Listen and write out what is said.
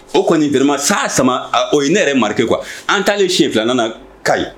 O kɔnidima sa sama o ye ne yɛrɛ ma kuwa an t taalen senfi na ka ɲi